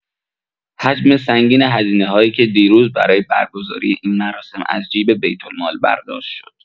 حجم سنگین هزینه‌هایی که دیروز برای برگزاری این مراسم از جیب بیت‌المال برداشت شد.